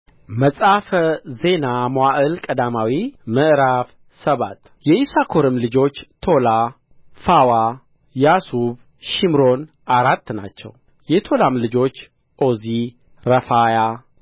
መጽሐፈ ዜና መዋዕል ቀዳማዊ ምዕራፍ ሰባት የይሳኮርም ልጆች ቶላ ፉዋ ያሱብ ሺምሮን አራት ናቸው የቶላም ልጆች ኦዚ ራፋያ